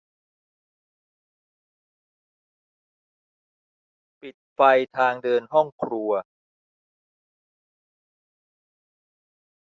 ปิดไฟทางเดินห้องครัว